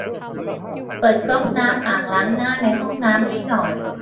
เปิดก๊อกน้ำอ่างล้างหน้าในห้องน้ำให้หน่อย